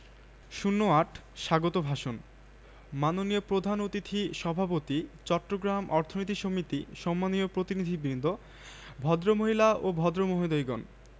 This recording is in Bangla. চট্টগ্রাম বিশ্ববিদ্যালয়ের অর্থনীতি বিভাগ চট্টগ্রাম কলেজ এবং চট্টগ্রাম সরকারি বাণিজ্য কলেজের চট্টগ্রাম জেলা কর্তৃপক্ষ